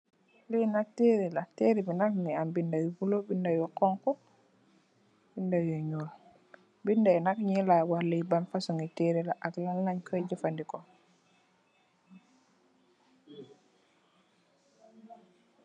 Li nak teereh la, teereh bi nak mungi am binda yu bulo, binda yu honku, binda yu ñuul. Binda yi nak noo la wah li ban fasung teereh la ak Lan leen koy jafadeko.